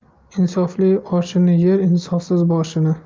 insofli oshini yer insofsiz boshini